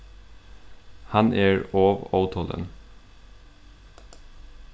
hann er ov ótolin